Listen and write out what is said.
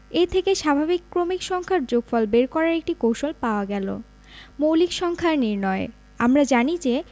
এ থেকে স্বাভাবিক ক্রমিক সংখ্যার যোগফল বের করার একটি কৌশল পাওয়া গেল মৌলিক সংখ্যা নির্ণয় আমরা জানি যে